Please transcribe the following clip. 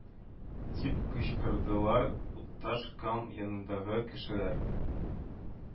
Дип кычкырдылар утташ кам янындагы кешеләр